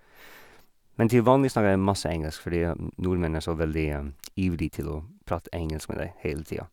Men til vanlig snakker jeg masse engelsk, fordi nordmenn er så veldig ivrig til å prate engelsk med deg hele tida.